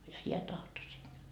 ja hän tahtoi sinne